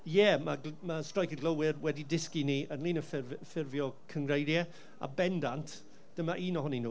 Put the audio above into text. ie ma' ma' streic y glowyr wedi dysgu ni, ynglyn â ffurf ffurfio cyngreiriau, a bendant, dyma un ohonyn nhw.